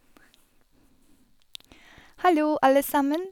Hallo, alle sammen.